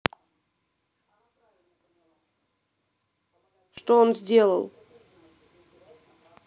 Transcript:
что он сделал